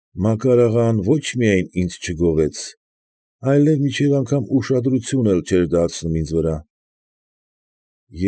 Մակար աղան ոչ միայն ինձ չգովեց, այլ մինչև անգամ ուշադրություն էլ չէր դարձնում ինձ վրա։